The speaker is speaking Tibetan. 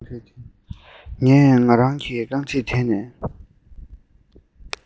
ངས ང རང གི རྐང རྗེས དེད ནས